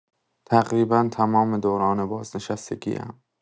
تقریبا تمام دوران بازنشستگی‌ام.